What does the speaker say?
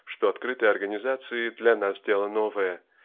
что открытые организации для нас дело новое